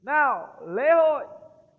nào lễ hội